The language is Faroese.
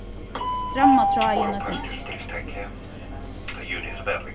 stramma tráðin eitt sindur